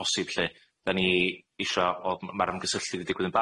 posib lly 'dan ni isho bod ma- ma'r ymgysylltu 'di digwydd yn